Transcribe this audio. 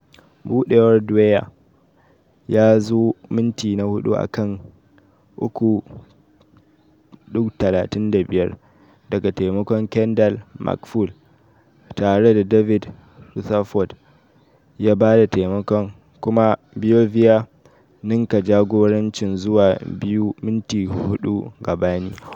Buɗewar Dwyer ya zo minti na hudu a kan 3:35 daga taimakon Kendall McFaull, tare da David Rutherford ya ba da taimakon kuma Beauvillier ninka jagorancin zuwa biyu minti hudu gabani.